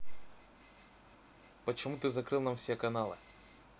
почему ты закрыл нам все каналы